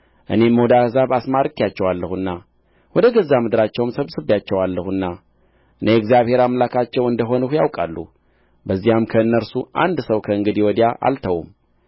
እኔም ወደ አሕዛብ አስማርኬአቸዋለሁና ወደ ገዛ ምድራቸውም ሰብስቤአቸዋለሁና እኔ እግዚአብሔር አምላካቸው እንደ ሆንሁ ያውቃሉ በዚያም ከእነርሱ አንድ ሰው ከእንግዲህ ወዲያ አልተውም